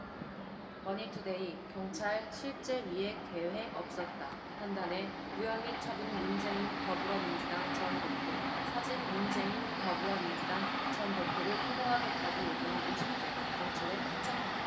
머니투데이 경찰 실제 위해 계획 없었다 판단해 무혐의 처분 문재인 더불어민주당 전 대표 사진 문재인 더불어민주당 전 대표를 테러하겠다고 예고한 오십 대가 경찰에 붙잡혔다